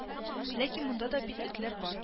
Ләкин монда да бит этләр бар